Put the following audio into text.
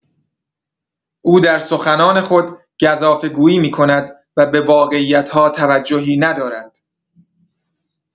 او در سخنان خود گزافه‌گویی می‌کند و به واقعیت‌ها توجهی ندارد.